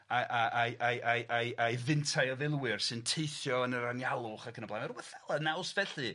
A a a a'i a'i a'i a'i fintai o filwyr sy'n teithio yn yr Anialwch ac yn y blaen. Mae 'na rwbeth o naws felly.